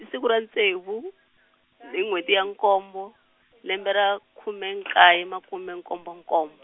i siku ra ntsevu, hi n'wheti ya nkombo, lembe ra khume nkaye makume nkombo nkom-.